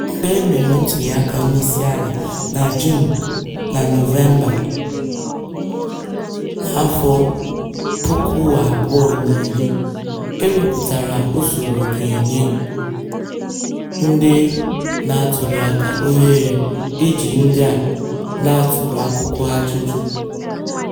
Mgbe e mere ntuliaka onyeisiala, na Juun na Nọvemba 2010, o wepụtara usoro ga-enye ndị na-atuliaka ohere iji ndị a na-atụrụ akwụkwọ ajụjụ.